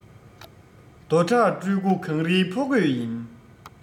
རྡོ བྲག སྤྲུལ སྐུ གངས རིའི ཕོ རྒོད ཡིན